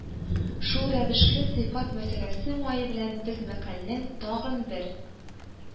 Шул рәвешле сыйфат мәсьәләсе уңае белән без мәкальнең тагын бер